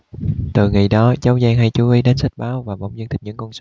từ ngày đó cháu giang hay chú ý đến sách báo và bỗng dưng thích những con số